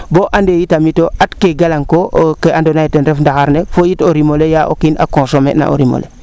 bo ande itamit ata ke galang koor kee ando naye ten ref ndaxar ne fo yit o rimole yaa o kiin a consommer na o rimole